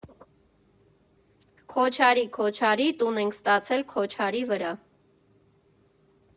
Քոչարի, քոչարի, տուն ենք ստացել Քոչարի վրա։